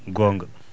goonga